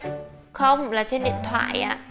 không là trên điện thoại ạ